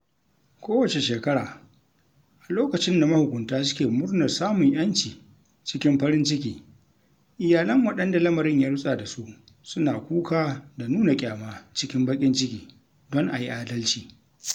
Kowace shekara, a lokacin da mahukunta suke murnar samun 'yanci cikin farin ciki, iyalan waɗanda lamarin ya rutsa da su suna kuka da nuna ƙyama cikin baƙin ciki don a yi adalci